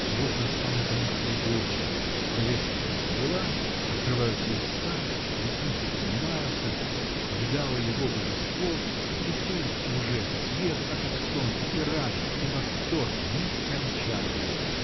И вот настал наконец его час, завеса взвилась, открываются уста, ресницы поднимаются -- увидало его божество -- и тут уже свет, как от солнца, и радость, и восторг нескончаемый!!